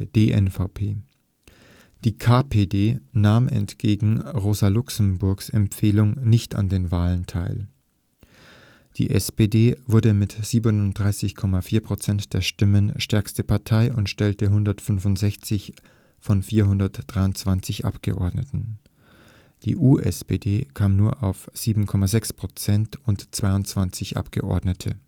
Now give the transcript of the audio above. DNVP). Die KPD nahm entgegen Rosa Luxemburgs Empfehlung nicht an den Wahlen teil. Die SPD wurde mit 37,4 Prozent der Stimmen stärkste Partei und stellte 165 von 423 Abgeordneten. Die USPD kam nur auf 7,6 Prozent und 22 Abgeordnete